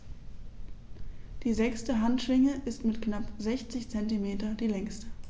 Die sechste Handschwinge ist mit knapp 60 cm die längste.